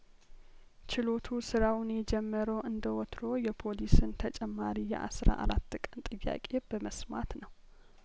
ችሎቱ ስራውን የጀመረው እንደወትሮው የፖሊስን ተጨማሪ የአስራ አራት ቀን ጥያቄ በመስማት ነው